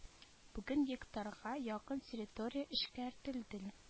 Бүген гектарга якын территория эшкәртелде